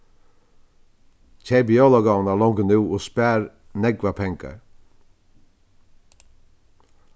keyp jólagávurnar longu nú og spar nógvar pengar